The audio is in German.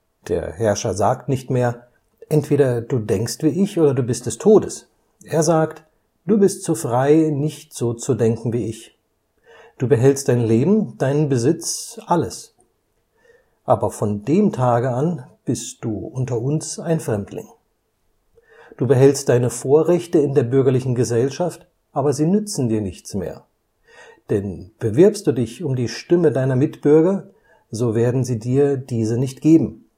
Der Herrscher sagt nicht mehr: entweder du denkst wie ich oder du bist des Todes; er sagt: du bist frei, nicht so zu denken wie ich; du behältst dein Leben, deinen Besitz, alles; aber von dem Tage an bist du unter uns ein Fremdling. Du behältst deine Vorrechte in der bürgerlichen Gesellschaft, aber sie nützen dir nichts mehr; denn bewirbst du dich um die Stimme deiner Mitbürger, so werden sie dir diese nicht geben